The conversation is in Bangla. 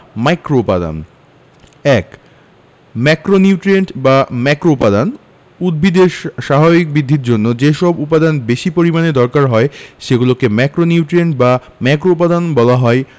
মাইক্রোউপাদান ১ ম্যাক্রোনিউট্রিয়েন্ট বা ম্যাক্রোউপাদান উদ্ভিদের স্বাভাবিক বৃদ্ধির জন্য যেসব উপাদান বেশি পরিমাণে দরকার হয় সেগুলোকে ম্যাক্রোনিউট্রিয়েন্ট বা ম্যাক্রোউপাদান বলা হয়